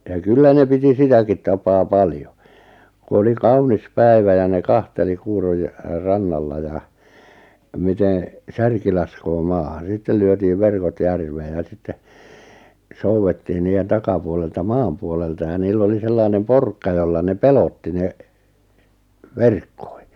ja kyllä ne piti sitäkin tapaa paljon kun oli kaunis päivä ja ne kanteli - rannalla ja miten särki laskee maahan sitten lyötiin verkot järveen ja sitten soudettiin niiden takapuolelta maan puolelta ja niillä oli sellainen porkka jolla ne pelotti ne verkkoihin